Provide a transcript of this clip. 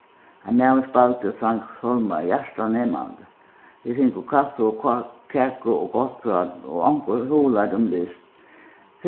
ein maður spældi og sang sálmar hjartanemandi vit fingu kaffi og kaku og gott prát og onkur hugleiddi um list